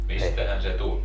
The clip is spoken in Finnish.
mistähän se tuli